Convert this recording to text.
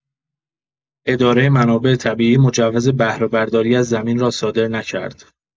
اداره منابع طبیعی مجوز بهره‌برداری از زمین را صادر نکرد.